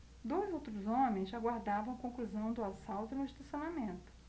dois outros homens aguardavam a conclusão do assalto no estacionamento